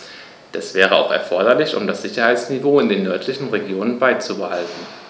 Das wäre auch erforderlich, um das Sicherheitsniveau in den nördlichen Regionen beizubehalten.